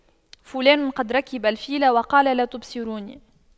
فلان قد ركب الفيل وقال لا تبصروني